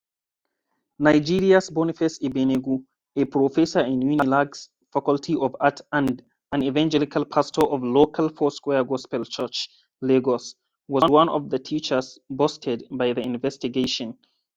Nigeria's Boniface Igbeneghu, a professor in UNILAG'S faculty of art and an evangelical pastor of local Foursquare Gospel Church, Lagos, was one of the teachers busted by the investigation.